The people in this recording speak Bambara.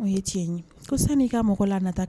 O tiɲɛ kosan ka mɔgɔ lata